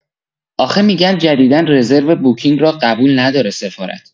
آخه می‌گن جدیدا رزرو بوکینگ را قبول نداره سفارت